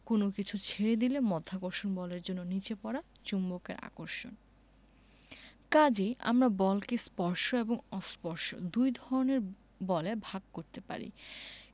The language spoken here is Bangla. কোনো কিছু ছেড়ে দিলে মাধ্যাকর্ষণ বলের জন্য নিচে পড়া চুম্বকের আকর্ষণ কাজেই আমরা বলকে স্পর্শ এবং অস্পর্শ দুই ধরনের বলে ভাগ করতে পারি